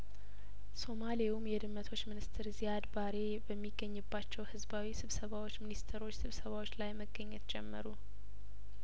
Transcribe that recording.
ሶማሌውም የድመቶች ሚኒስትር ዚያድ ባሬ በሚገኝባቸው ህዝባዊ ስብሰባዎች የሚኒስትሮች ስብሰባዎች ላይ መገኘት ጀመሩ